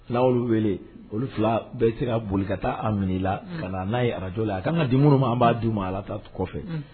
2 minnu bɛ weele olu 2 bɛ se ka boli ka taa a minɛ i la ka na n'a ye, rdio la a ka kan ka di minnu ma an b'a di u ma allah ta kɔfɛ!